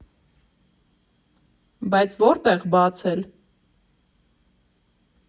Բայց որտե՞ղ բացել։